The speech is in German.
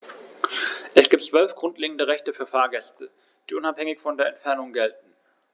Es gibt 12 grundlegende Rechte für Fahrgäste, die unabhängig von der Entfernung gelten.